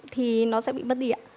thì nó sẽ bị mất đi ạ